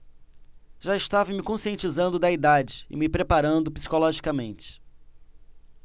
já estava me conscientizando da idade e me preparando psicologicamente